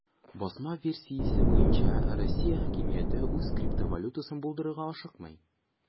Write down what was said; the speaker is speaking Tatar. Басма версиясе буенча, Россия хакимияте үз криптовалютасын булдырырга ашыкмый.